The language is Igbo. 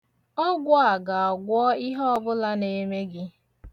Ọgwụ a ga-agwọ ihe ọbụla na-eme gị.